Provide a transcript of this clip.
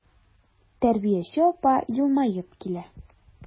Тәрбияче апа елмаеп килә.